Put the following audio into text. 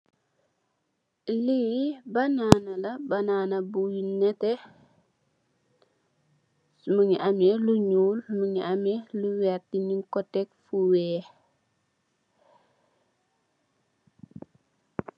Li ni banana la banana bu neti mungi ameh lu nuul mungi ameh lo werteh nyi ko teg fu weex.